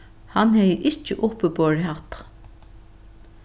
hann hevði ikki uppiborið hatta